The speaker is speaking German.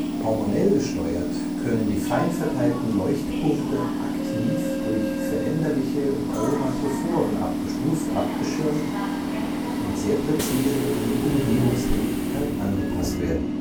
Hormonell gesteuert können die fein verteilten Leuchtpunkte aktiv durch veränderliche Chromatophoren abgestuft abgeschirmt und sehr präzise an die Umgebungshelligkeit angepasst werden